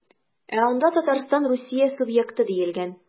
Ә анда Татарстан Русия субъекты диелгән.